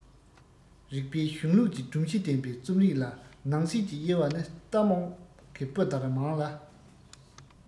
རིག པའི གཞུང ལུགས ཀྱི སྒྲོམ གཞི ལྡན པའི རྩོམ རིག ལ ནང གསེས ཀྱི དབྱེ བ ནི རྟ མོག གི སྤུ ལྟར མང ལ